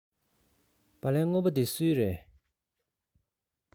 སྦ ལན སྔོན པོ འདི སུའི རེད